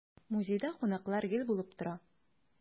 Музейда кунаклар гел булып тора.